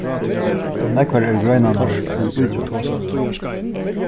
og nógvar eru greinarnar í ítrótti